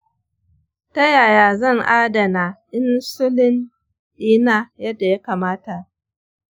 ta yaya zan adana insulin ɗina yadda ya kamata?